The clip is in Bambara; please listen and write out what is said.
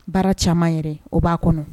Baara caman yɛrɛ o b'a kɔnɔ